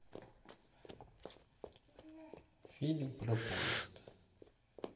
фильм про поезд